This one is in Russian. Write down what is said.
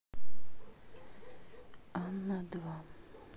анна два